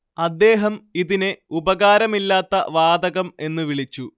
അദ്ദേഹം ഇതിനെ ഉപകാരമില്ലാത്ത വാതകം എന്ന് വിളിച്ചു